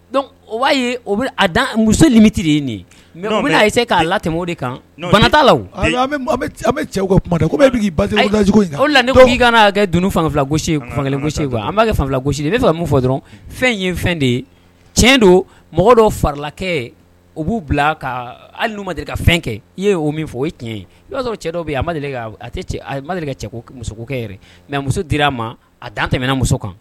Don o'a ye musomiti ye nin mɛ bɛna se k'a la tɛmɛ o de kan tta la kuma ko la ne ko'i kana kɛ dunun fan gosi fankelen an b'a fan gosisi ne fɛ min fɔ dɔrɔn fɛn ye fɛn de ye tiɲɛ don mɔgɔ dɔw farilakɛ u b'u bila ka ali deli ka fɛn kɛ i ye'o min fɔ o tiɲɛ i y'a sɔrɔ cɛ dɔ a makɛ mɛ muso di a ma a dan tɛmɛna muso kan